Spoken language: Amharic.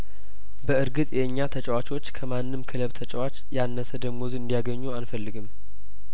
በእርግጥ የኛ ተጫዋቾች ከማንም ክለብ ተጫዋች ያነሰ ደሞዝ እንዲያገኙ አንፈልግም